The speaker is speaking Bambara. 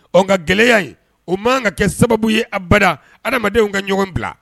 Ɔn nga gɛlɛya in, o man kan ka kɛ sababu ye abada adamadenw ka ɲɔgɔn bila.